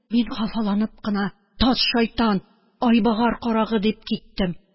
Мин хафаланып кына: – Таз шәйтан, айбагар карагы!.. – дип киттем.